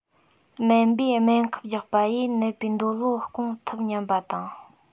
སྨན པས སྨན ཁབ རྒྱག པ ཡིས ནད པའི འདོད བློ བསྐང ཐུབ སྙམ པ དང